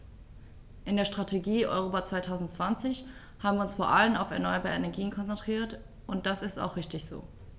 In der Strategie Europa 2020 haben wir uns vor allem auf erneuerbare Energien konzentriert, und das ist auch richtig so.